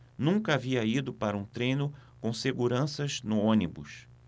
nunca havia ido para um treino com seguranças no ônibus